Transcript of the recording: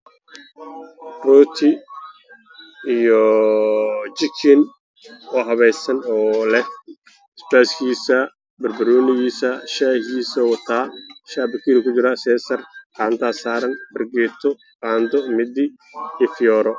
Meeshan waxaa taalo colaad diyaarsan oo fadgetaday wax lagu cun lahaa ay taalo